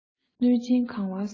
གནོད སྦྱིན གང བ བཟང པོ